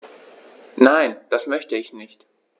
Nein, das möchte ich nicht.